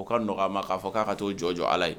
O ka n nɔgɔ a ma k'a fɔ k'a ka to jɔ jɔ allah ye